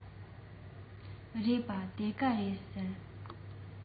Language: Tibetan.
རེ བ ད ག ཟེ རེད